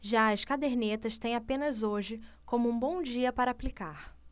já as cadernetas têm apenas hoje como um bom dia para aplicar